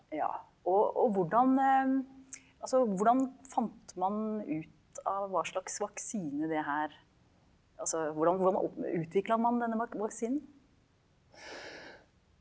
ja og og hvordan altså hvordan fant man ut av hva slags vaksine det her, altså hvordan hvordan utvikla man denne vaksinen?